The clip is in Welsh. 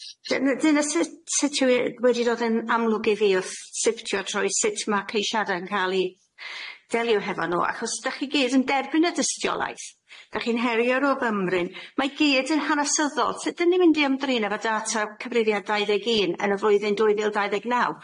Dyna dyna sut sut yw e wedi dod yn amlwg i fi wrth sifftio trwy sut ma' ceisiade yn ca'l i delio hefo nw achos da chi gyd yn derbyn y dystiolaeth, da chi'n heriwr o fymryn mae gyd yn hanesyddol sut ydyn ni'n mynd i ymdrin efo data cyfrifiad dau ddeg un yn y flwyddyn dwy fil dau ddeg naw?